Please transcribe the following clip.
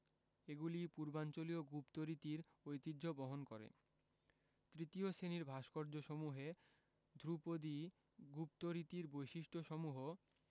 এগুলি পূর্বাঞ্চলীয় গুপ্ত রীতির ঐতিহ্য বহন করে তৃতীয় শ্রেণির ভাস্কর্যসমূহে ধ্রুপদী গুপ্ত রীতির বৈশিষ্ট্যসমূহ